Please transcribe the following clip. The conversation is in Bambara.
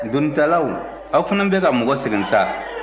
donitalaw aw fana bɛ ka mɔgɔ sɛgɛn sa